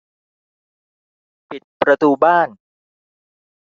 ปิดประตูบ้าน